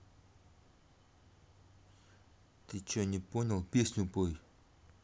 ты че не понял песню пой